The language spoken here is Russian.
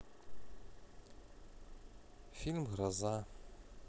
фильм гроза